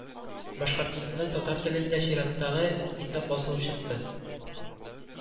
Башкортстанда татар телендә чираттагы китап басылып чыкты